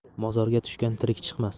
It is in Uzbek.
mozorga tushgan tirik chiqmas